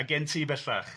a gen ti bellach.